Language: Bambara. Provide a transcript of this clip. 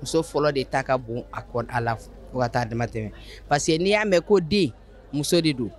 Muso fɔlɔ de ta ka bon a kɔnɔ a la ka taaa damatɛ pa parce que n'i y'a mɛn ko den muso de don